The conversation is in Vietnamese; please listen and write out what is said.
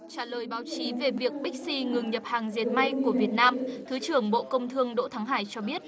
trả lời báo chí về việc bích xi ngừng nhập hàng dệt may của việt nam thứ trưởng bộ công thương đỗ thắng hải cho biết